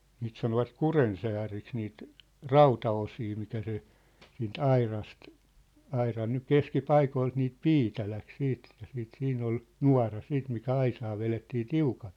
niitä sanovat kurjensääriksi niitä rautaosia mitä se siitä aurasta auran nyt keskipaikoilta niitä piitä lähti sitten että sitten siinä oli nuora sitten mikä aisaa vedettiin tiukalle